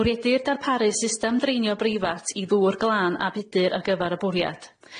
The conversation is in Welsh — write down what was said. Bwriedir darparu system dreinio breifat i ddŵr glân a budur ar gyfar y bwriad.